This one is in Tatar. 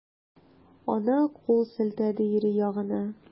Ана кул селтәде ире ягына.